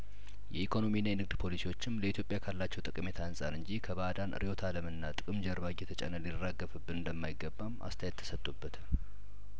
የኢኮኖሚና የንግድ ፖሊሲዎችም ለኢትዮጵያካላቸው ጠቀሜታ አንጻር እንጂ ከባእዳን ርእዮተ አለምና ጥቅም ጀርባ እየተጫነ ሊራገፍብን እንደማይገባም አስተያየት ተሰጥቶ በታል